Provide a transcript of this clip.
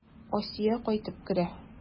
Асия кайтып керә.